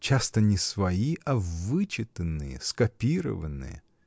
часто не свои, а вычитанные, скопированные!